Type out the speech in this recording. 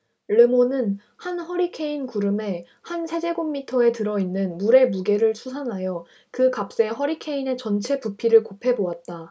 르몬은 한 허리케인 구름의 한 세제곱미터에 들어 있는 물의 무게를 추산하여 그 값에 허리케인의 전체 부피를 곱해 보았다